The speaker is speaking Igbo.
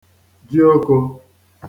jioko